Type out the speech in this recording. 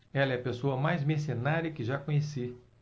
ela é a pessoa mais mercenária que já conheci